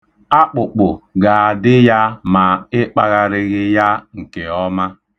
Akpụkpụ ga-adị ya ma ị kpagharịghị ya nke ọma.